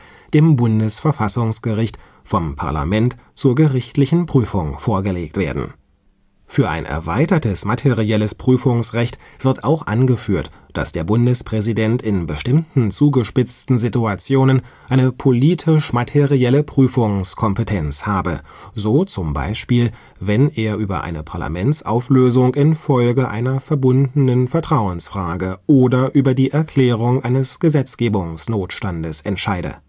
dem Bundesverfassungsgericht vom Parlament zur gerichtlichen Prüfung vorgelegt werden. Für ein erweitertes materielles Prüfungsrecht wird auch angeführt, dass der Bundespräsident in bestimmten zugespitzten Situationen eine politisch-materielle Prüfungskompetenz habe, so zum Beispiel wenn er über eine Parlamentsauflösung in Folge einer verbundenen Vertrauensfrage oder über die Erklärung eines Gesetzgebungsnotstands entscheide